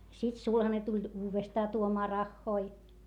sitten sulhanen tuli uudestaan tuomaan rahoja